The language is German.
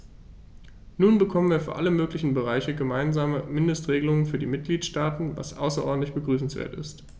Nun bekommen wir für alle möglichen Bereiche gemeinsame Mindestregelungen für die Mitgliedstaaten, was außerordentlich begrüßenswert ist.